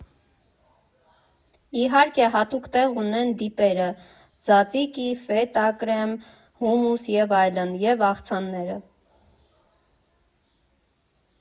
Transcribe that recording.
Իհարկե, հատուկ տեղ ունեն դիպերը (ձաձիկի, ֆետա կրեմ, հումուս և այլն) և աղցանները։